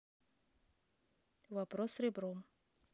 вопрос ребром